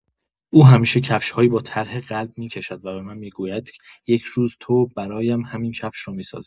او همیشه کفش‌هایی با طرح قلب می‌کشد و به من می‌گوید یک روز تو برایم همین کفش را می‌سازی.